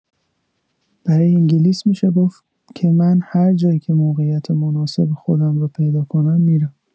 برای انگلیس می‌شه گفت که من هر جایی که موقعیت مناسب خودم رو پیدا کنم می‌رم.